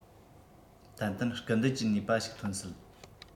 ཏན ཏན སྐུལ འདེད ཀྱི ནུས པ ཞིག ཐོན སྲིད